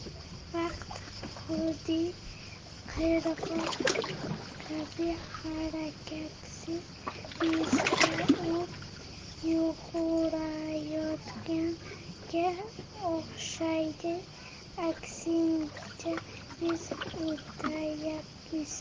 vaqt xuddi qirg'oq kabi harakatsiz bizga u yugurayotganga o'xshaydi aksincha biz o'tayapmiz